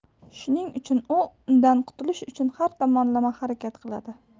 shuning uchun u undan qutulish uchun har tomonlama harakat qiladi i